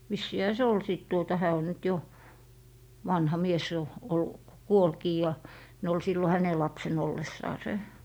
vissiinhän se oli sitten tuota hän on nyt jo vanha mies jo - kuolikin ja ne oli silloin hänen lapsena ollessaan